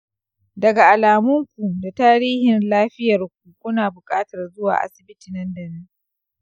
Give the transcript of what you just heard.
daga alamun ku da tarihin lafiyar ku, kuna buƙatar zuwa asibiti nan da nan.